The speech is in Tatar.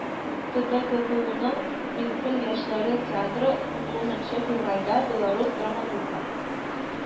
ТДГПУның «Мизгел» яшьләр театры 19 февральдә белорус драматургы